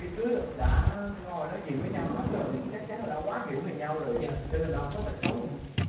khi cưới đã ngồi nói chuyện với nhau hết rồi thì chắc chắn là đã quá hiểu về nhau rồi cho nên có tật xấu gì không